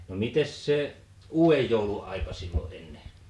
no mitenkäs se uuden joulun aika silloin ennen